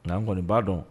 N'an kɔniɔni b'a dɔn